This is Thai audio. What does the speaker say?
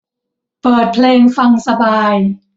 เปิดเพลงฟังสบาย